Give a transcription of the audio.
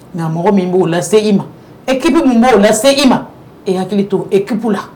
Nka mɔgɔ min b'o lase se ma e'bi min b'o u lase se i ma e hakili to eu la